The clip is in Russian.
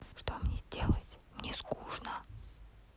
что мне сделать мне скучно